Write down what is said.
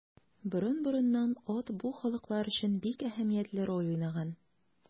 Борын-борыннан ат бу халыклар өчен бик әһәмиятле роль уйнаган.